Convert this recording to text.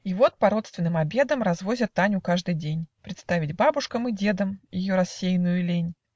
И вот: по родственным обедам Развозят Таню каждый день Представить бабушкам и дедам Ее рассеянную лень.